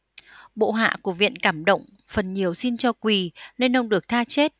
bộ hạ của viện cảm động phần nhiều xin cho quỳ nên ông được tha chết